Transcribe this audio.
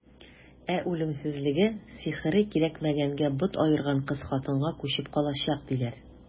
Ә үлемсезлеге, сихере кирәкмәгәндә бот аерган кыз-хатынга күчеп калачак, диләр.